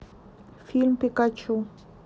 фильм пикачу